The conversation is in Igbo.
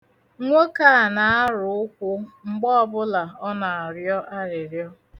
Nwoke a na-arụ ụkwụ mgbe ọbụla ọ na-arịo arịrịo.